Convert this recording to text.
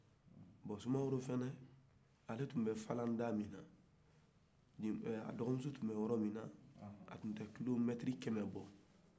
bon soumaworo tun bɛ falanda min na o ni a dɔgɔmuso tun bɛ yɔrɔ min na a tun tɛ kilomɛtiri kɛmɛ bɔ